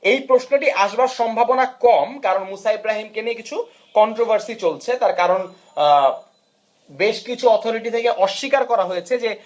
এ প্রশ্ন টি আসবার সম্ভাবনা কম কারণ মুসা ইব্রাহিমকে নিয়ে কিছু কন্ট্রোভার্সি চলছে তার কারণ বেশকিছু অর্থনীতিতে কে অস্বীকার করা হয়েছে যে